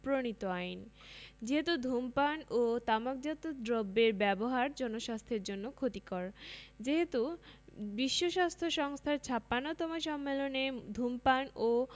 প্রণীত আইন যেহেতু ধূমপান ও তামাকজাত দ্রব্যের ব্যবহার জনস্বাস্থ্যের জন্য ক্ষতিকর যেহেতু বিশ্বস্বাস্থ্য সংস্থার ৫৬তম সম্মেলনে ধূমপান ও